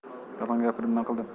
yolg'on gapirib nima qildim